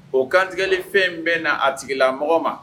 O kantigɛli fɛn in bɛ na a tigi la mɔgɔ ma